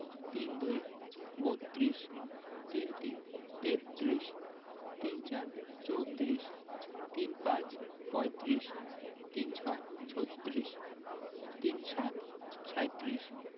৩২ - বত্ৰিশ ৩৩ - তেত্রিশ ৩৪ - চৌত্রিশ ৩৫ - পঁয়ত্রিশ ৩৬ - ছত্রিশ ৩৭ - সাঁইত্রিশ